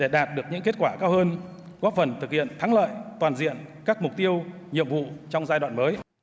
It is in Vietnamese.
để đạt được những kết quả cao hơn góp phần thực hiện thắng lợi toàn diện các mục tiêu nhiệm vụ trong giai đoạn mới